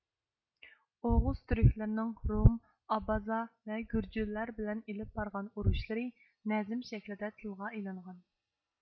ئوغۇز تۈركلىرىنىڭ روم ئابازا ۋە گۈرجۈللەر بىلەن ئېلىپ بارغان ئورۇشلىرى نەزم شەكلىدە تىلغا ئېلىنغان